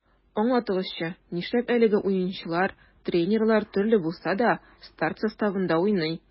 Аңлатыгызчы, нишләп әлеге уенчылар, тренерлар төрле булса да, старт составында уйный?